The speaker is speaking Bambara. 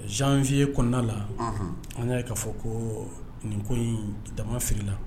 Zanfiiye kɔnɔna la, ɔnhɔn, an y'a ye k'a fɔ ko nin ko in dama frina